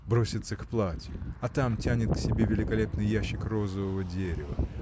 Бросится к платью, а там тянет к себе великолепный ящик розового дерева.